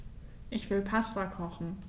Ich will Pasta kochen.